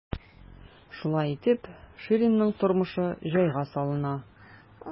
Шулай итеп, Ширинның тормышы җайга салына.